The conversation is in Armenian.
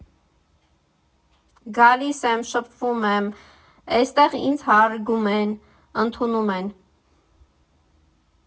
Գալիս եմ, շփվում եմ, էստեղ ինձ հարգում են, ընդունում են։